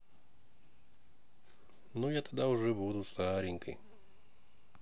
ну я тогда уже буду старенькой